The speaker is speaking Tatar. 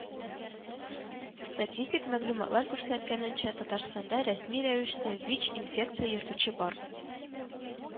Статистик мәгълүматлар күрсәткәнчә, Татарстанда рәсми рәвештә ВИЧ- инфекция йөртүче бар